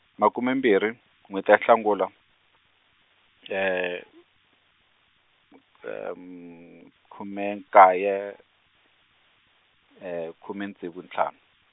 makume mbirhi, nwheti ya Nhlangula, khume nkaye, khume ntsevu ntlhanu.